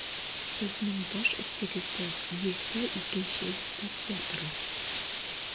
Сезнең баш өстегездә 102 нче статья тора.